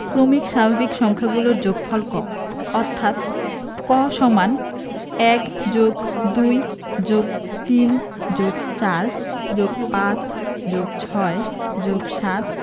ক্রমিক স্বাভাবিক সংখ্যাগুলোর যোগফল ক অর্থাৎ ক = ১+২+৩+৪+৫+৬+৭